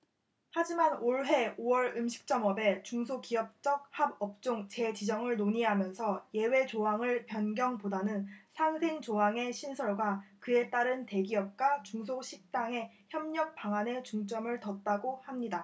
하지만 올해 오 월 음식점업의 중소기업적합업종 재지정을 논의하면서 예외조항을 변경보다는 상생 조항의 신설과 그에 따른 대기업과 중소식당의 협력 방안에 중점을 뒀다고 합니다